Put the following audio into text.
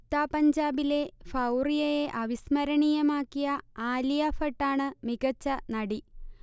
ഉഡ്താ പഞ്ചാബിലെ ഭൗറിയയെ അവിസ്മരണീയമാക്കിയ ആലി ഭട്ടാണ് മികച്ച നടി